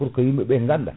pour que yimɓeɓe ganda